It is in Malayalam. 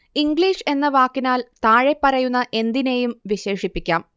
ഇംഗ്ലീഷ് എന്ന വാക്കിനാൽ താഴെപ്പറയുന്ന എന്തിനേയും വിശേഷിപ്പിക്കാം